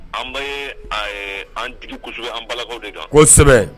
An bɛ ɛɛ an digi kɔsɛbɛ an balakaw de kan kosɛbɛ